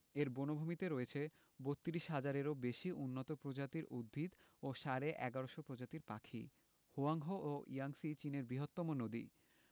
এর বনভূমিতে রয়েছে ৩২ হাজারেরও বেশি উন্নত প্রজাতির উদ্ভিত ও সাড়ে ১১শ প্রজাতির পাখি হোয়াংহো ও ইয়াংসি চীনের বৃহত্তম নদী